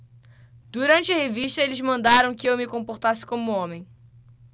durante a revista eles mandaram que eu me comportasse como homem